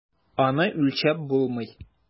Аны үлчәп булмый.